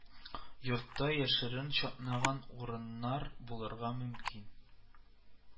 Йортта яшерен чатнаган урыннар булырга мөмкин